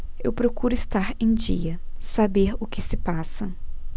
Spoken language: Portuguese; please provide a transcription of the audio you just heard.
eu procuro estar em dia saber o que se passa